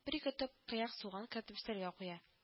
Бер-ике төп кыяк суган кертеп өстәлгә куя